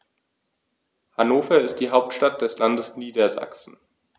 Hannover ist die Hauptstadt des Landes Niedersachsen.